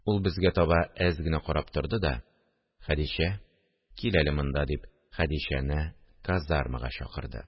Ул безгә таба әз генә карап торды да: – Хәдичә, кил әле монда! – дип, Хәдичәне казармага чакырды